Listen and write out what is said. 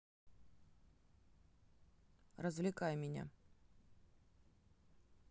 развлекай меня